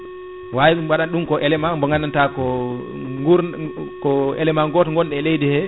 wawi ɗum ko élément mo gandanta ko gur ko élément goto gon e leydi he